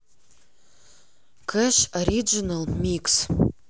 кэш ориджинал микс